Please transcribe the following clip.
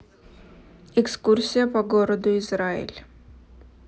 экскурсия по городу израиль